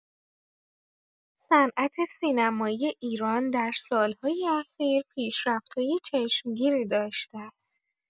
صنعت سینمایی ایران در سال‌های اخیر پیشرفت‌های چشمگیری داشته است.